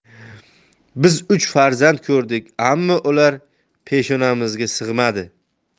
biz uch farzand ko'rdik ammo ular peshonamizga sig'madi